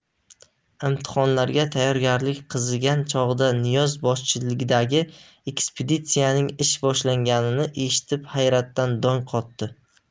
imtihonlarga tayyorgarlik qizigan chog'da niyoz boshchiligidagi ekspeditsiyaning ish boshlaganini eshitib hayratdan dong qotdi